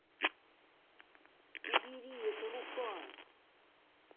убери это рука